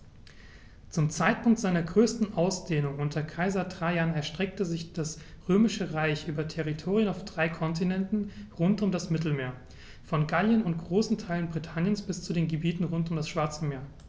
Zum Zeitpunkt seiner größten Ausdehnung unter Kaiser Trajan erstreckte sich das Römische Reich über Territorien auf drei Kontinenten rund um das Mittelmeer: Von Gallien und großen Teilen Britanniens bis zu den Gebieten rund um das Schwarze Meer.